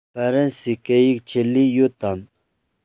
ཧྥ རན སིའི སྐད ཡིག ཆེད ལས ཡོད དམ